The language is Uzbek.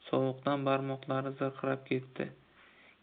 sovuqdan barmoqlari zirqirab ketdi